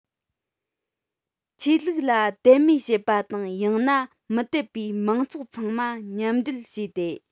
ཆོས ལུགས ལ དད མོས བྱེད པ དང ཡང ན མི དད པའི མང ཚོགས ཚང མ མཉམ འབྲེལ བྱས ཏེ